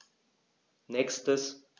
Nächstes.